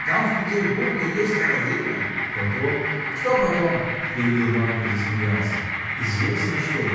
Там в Петербурге есть академия. — Потом. — Что потом? — перебил Марк и засмеялся. — Известно что.